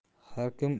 har kim o'ziga